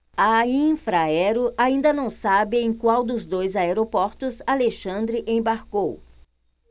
a infraero ainda não sabe em qual dos dois aeroportos alexandre embarcou